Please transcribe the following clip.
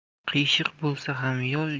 qiyshiq bo'lsa ham yo'l